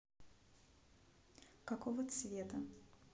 какого цвета